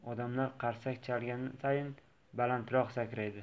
odamlar qarsak chalgan sayin balandroq sakraydi